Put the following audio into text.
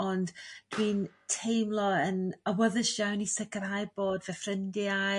ond dwi'n teimlo yn awyddus iawn i sicrhau bod fy ffrindiau